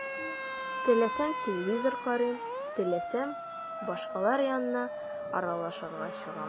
Теләсәм – телевизор карыйм, теләсәм – башкалар янына аралашырга чыгам.